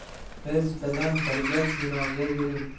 biz bilan birga kinoga yuring